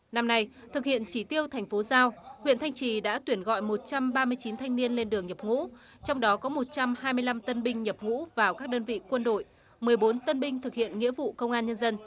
năm nay thực hiện chỉ tiêu thành phố giao huyện thanh trì đã tuyển gọi một trăm ba mươi chín thanh niên lên đường nhập ngũ trong đó có một trăm hai mươi lăm tân binh nhập ngũ vào các đơn vị quân đội mười bốn tân binh thực hiện nghĩa vụ công an nhân dân